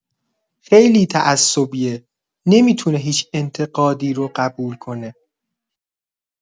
خیلی تعصبیه، نمی‌تونه هیچ انتقادی رو قبول کنه.